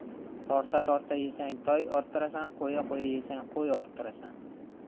torta torta yesang toy orttirasan qo'ya qo'ya yesang qo'y orttirasan